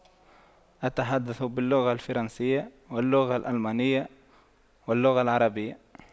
أتحدث باللغة الفرنسية واللغة الألمانية واللغة العربية